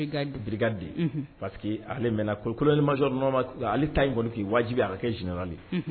Biden pa que ale mɛn kolo kolo mama ale ta in kɔni'i wajibi bɛ ala kɛ jnali